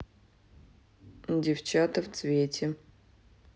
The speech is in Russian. девчата в цвете